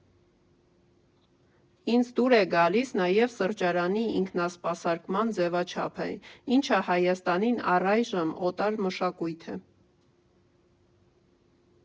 Ինձ դուր է գալիս նաև սրճարանի ինքնասպասարկման ձևաչափը, ինչը Հայաստանին առայժմ օտար մշակույթ է.